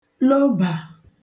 lobà